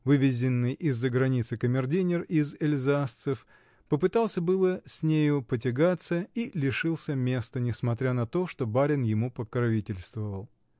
вывезенный из-за границы камердинер из эльзасцев попытался было с нею потягаться -- и лишился места, несмотря на то, что барин ему покровительствовал.